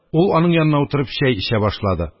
Ул аның янына утырып чәй эчә башлады.